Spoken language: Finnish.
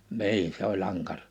niin se oli ankara